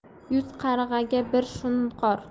yuz qarg'aga bir shunqor